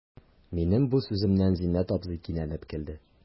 Минем бу сүземнән Зиннәт абзый кинәнеп көлде.